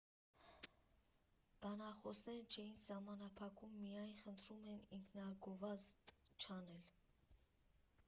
Բանախոսներին չենք սահմանափակում, միայն խնդրում ենք ինքնագովազդ չանել։